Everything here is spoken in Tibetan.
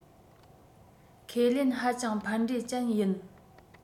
ཁས ལེན ཧ ཅང ཕན འབྲས ཅན ཡིན